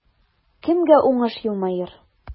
Кемгә уңыш елмаер?